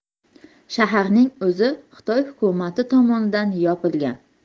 shaharning o'zi xitoy hukumati tomonidan yopilgan